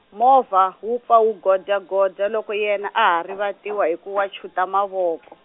movha wu pfa wu godya godya loko yena a ha rivatiwa hi ku wachuta mavoko.